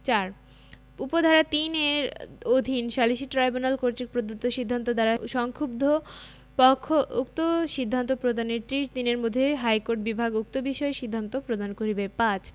৪ উপ ধারা ৩ এর অধীন সালিসী ট্রাইব্যুনাল কর্তৃক প্রদত্ত সিদ্ধান্ত দ্বারা সংক্ষুব্ধ পক্ষ উক্ত সিদ্ধান্ত প্রদানের ত্রিশ দিনের মধ্যে হাইকোর্ট বিভাগ উক্ত বিষয়ে সিদ্ধান্ত প্রদান করিবে ৫